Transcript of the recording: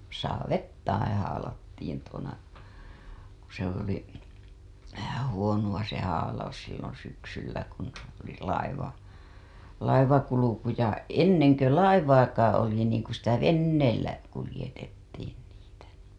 saaveittain haalattiin tuona kun se oli vähän huonoa se haalaus silloin syksyllä kun oli - laivankulku ja ennen kuin laivaakaan oli niin kun sitä veneellä kuljetettiin niitä